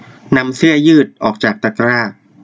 นำเสื้อยืดออกจากตะกร้า